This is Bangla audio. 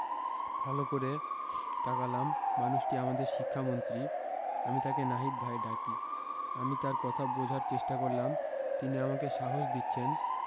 ভালো করে তাকালাম মানুষটি আমাদের শিক্ষামন্ত্রী আমি তাকে নাহিদ ভাই ডাকি আমি তার কথা বোঝার চেষ্টা করলাম তিনি আমাকে সাহস দিচ্ছেন